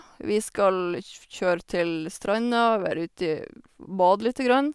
Vi skal kj kjøre til stranda, være uti bade lite grann.